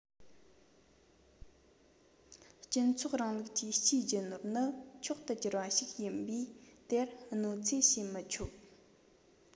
སྤྱི ཚོགས རིང ལུགས ཀྱི སྤྱིའི རྒྱུ ནོར ནི མཆོག ཏུ གྱུར པ ཞིག ཡིན པས དེར གནོད འཚེ བྱས མི ཆོག